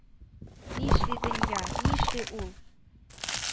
Нишли дөнья, нишли ул?